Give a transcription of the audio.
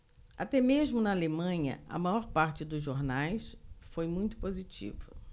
até mesmo na alemanha a maior parte dos jornais foi muito positiva